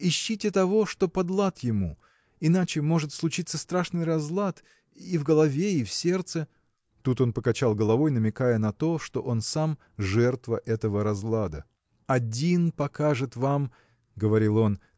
ищите того, что под лад ему, иначе может случиться страшный разлад. и в голове, и в сердце. – Тут он покачал головой намекая на то что он сам – жертва этого разлада. – Один покажет вам – говорил он